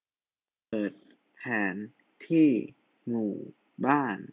เปิดแผนที่หมู่บ้าน